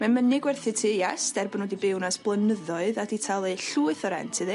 Mae'n mynnu gwerthu tŷ Iest er bo' nw'n di byw na ers blynyddoedd a di talu llwyth o rent iddi.